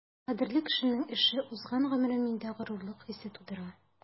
Кадерле кешемнең эше, узган гомере миндә горурлык хисе тудыра.